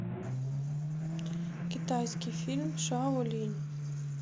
китайский фильм шаолинь